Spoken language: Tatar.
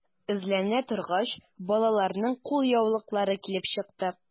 Эзләнә торгач, балаларның кулъяулыклары килеп чыкты.